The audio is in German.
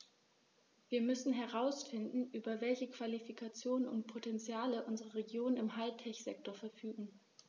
Wir müssen herausfinden, über welche Qualifikationen und Potentiale unsere Regionen im High-Tech-Sektor verfügen.